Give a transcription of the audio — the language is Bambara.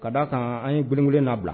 Ka d'a kan an ye gwedengweden na bila